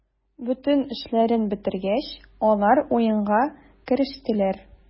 Бөтен эшләрен бетергәч, алар уенга керештеләр.